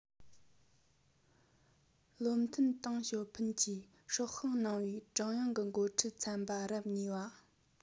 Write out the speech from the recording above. བློ མཐུན ཏེང ཞའོ ཕིན གྱིས སྲོག ཤིང གནང བའི ཀྲུང དབྱང གི འགོ ཁྲིད ཚན པ རབས གཉིས པ